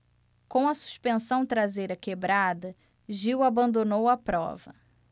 com a suspensão traseira quebrada gil abandonou a prova